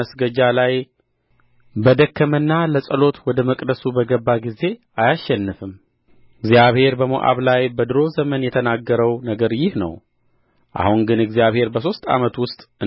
መስገጃ ላይ በደከመና ለጸሎት ወደ መቅደሱ በገባ ጊዜ አያሸንፍም እግዚአብሔር በሞዓብ ላይ በድሮ ዘመን የተናገረው ነገር ይህ ነው አሁን ግን እግዚአብሔር በሦስት ዓመት ውስጥ